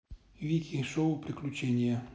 вики шоу приключения